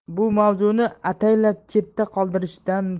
bu mavzuni ataylab chetda qoldirishdan